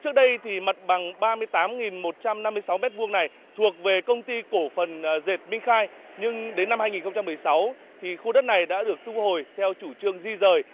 trước đây thì mặt bằng ba mươi tám nghìn một trăm năm mươi sáu mét vuông này thuộc về công ty cổ phần dệt minh khai nhưng đến năm hai nghìn không trăm mười sáu thì khu đất này đã được thu hồi theo chủ trương di dời